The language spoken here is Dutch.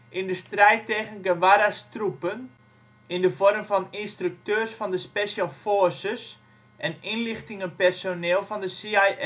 in de strijd tegen Guevara 's troepen in de vorm van instructeurs van de Special Forces en inlichtingenpersoneel van de CIA